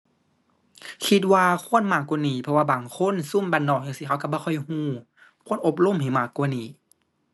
คิดว่าควรมากกว่านี้ เพราะว่าบางคน ซุมบ้านนอกจั่งซี้เขาก็บ่ค่อยก็ ควรอบรมให้มากกว่านี้